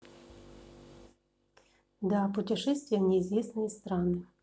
да путешествие в неизведанные страны